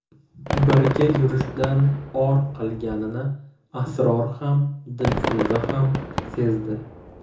birga yurishdan or qilganini asror xam dilfuza xam sezdi